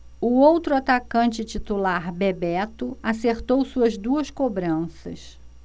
o outro atacante titular bebeto acertou suas duas cobranças